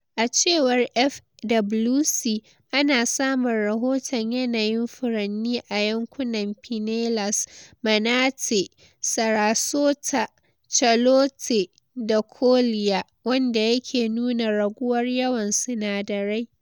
A cewar FWC,ana samun rahoton yanayin furanni a yankunan Pinellas, Manatee, Sarasota, Charlotte da Collier - wanda yake nuna raguwar yawan sinadarai.